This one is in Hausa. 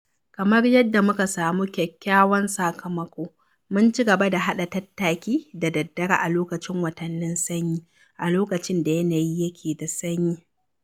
Kamar yadda muka samu kyakkyawan sakamako, mun cigaba da haɗa tattaki da daddare a lokacin watannin sanyi, a lokacin da yanayi yake da sanyi.